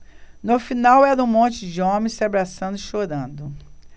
no final era um monte de homens se abraçando e chorando